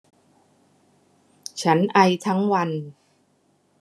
ฉันไอทั้งวัน